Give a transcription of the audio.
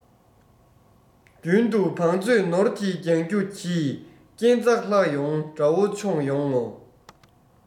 རྒྱུན དུ བང མཛོད ནོར གྱིས བརྒྱང རྒྱུ གྱིས རྐྱེན རྩ ལྷག ཡོང དགྲ བོ མཆོངས ཡོང ངོ